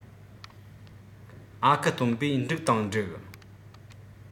ཨ ཁུ སྟོན པས འགྲིག དང འགྲིག